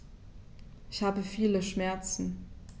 Ich habe viele Schmerzen.